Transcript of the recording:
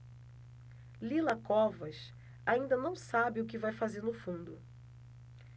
lila covas ainda não sabe o que vai fazer no fundo